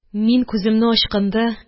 Мин күземне ачканда